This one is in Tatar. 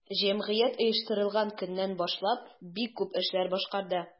Җәмгыять оештырылган көннән башлап бик күп эшләр башкарды.